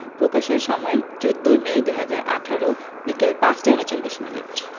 প্রকাশের সময় ১৪মে ২০১৮ বিকেল ৫টা ৩৯ মিনিট